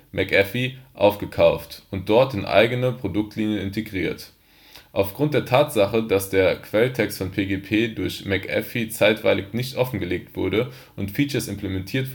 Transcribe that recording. McAfee) aufgekauft und dort in die eigene Produktlinie integriert. Aufgrund der Tatsache, dass der Quelltext von PGP durch McAfee zeitweilig nicht offengelegt wurde und Features implementiert